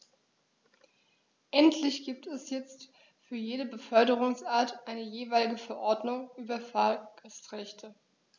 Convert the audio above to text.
Endlich gibt es jetzt für jede Beförderungsart eine jeweilige Verordnung über Fahrgastrechte.